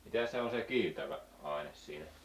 mitä se on se kiiltävä aine siinä